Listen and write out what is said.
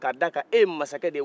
ka d'a kan e ye masakɛ de ye